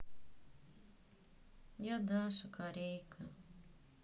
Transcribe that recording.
я даша корейка